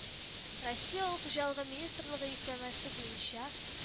Россия Авыл хуҗалыгы министрлыгы йөкләмәсе буенча